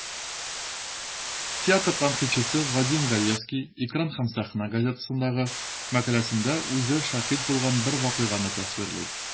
Театр тәнкыйтьчесе Вадим Гаевский "Экран һәм сәхнә" газетасындагы мәкаләсендә үзе шаһит булган бер вакыйганы тасвирлый.